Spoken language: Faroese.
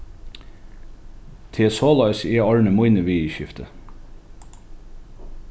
tað er soleiðis eg orðni míni viðurskifti